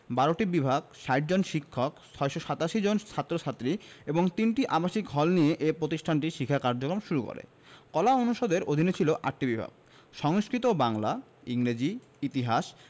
১২টি বিভাগ ৬০ জন শিক্ষক ৮৪৭ জন ছাত্র ছাত্রী এবং ৩টি আবাসিক হল নিয়ে এ প্রতিষ্ঠানটি শিক্ষা কার্যক্রম শুরু করে কলা অনুষদের অধীনে ছিল ৮টি বিভাগ সংস্কৃত ও বাংলা ইংরেজি ইতিহাস